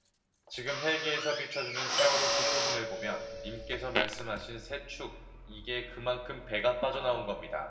지금 헬기에서 비춰주는 세월호 뒷부분을 보면 님께서 말씀하신 세 축 이게 그만큼 배가 빠져나온 겁니다